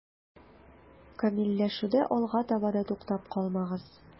Камилләшүдә алга таба да туктап калмагыз.